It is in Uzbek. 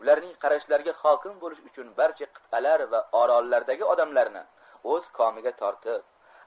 ularning qarashlariga hokim bo'lish uchun barcha qit'alar va orollardagi odamlarni o'z komiga tortib